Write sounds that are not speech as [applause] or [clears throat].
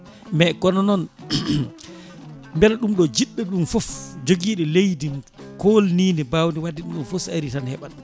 mais :fraz kono noon [clears throat] beela ɗum ɗo jiɗɗo ɗum foof joguiɗo leydi kolnidi mbawdi wadde ɗum ɗon foof so aari tan heeɓat